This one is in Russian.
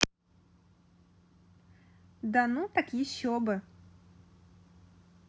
да ну так еще бы